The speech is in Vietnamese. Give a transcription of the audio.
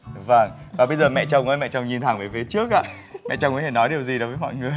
vâng và bây giờ mẹ chồng ơi mẹ chồng nhìn thẳng về phía trước ạ mẹ chồng có thể nói điều gì với mọi người